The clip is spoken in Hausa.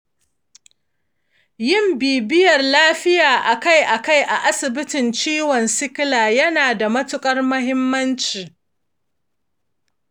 yin bibiyar lafiya akai-akai a asibitin ciwon sikila yana da matuƙar muhimmanci.